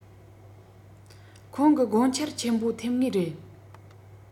ཁོང གི དགོངས འཆར ཆེན པོ ཐེབས ངེས རེད